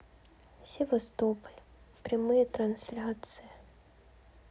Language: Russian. севастополь прямые трансляции